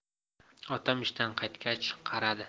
otam ishdan qaytgach qaradi